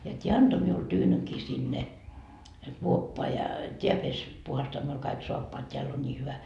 ja tämä antoi minulle tyynynkin sinne kuoppaan ja tämä pesi puhdistaa minulle kaikki saappaat täällä on niin hyvä